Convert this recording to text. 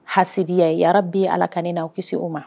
Haya' bɛ ala ka na aw kisi se o ma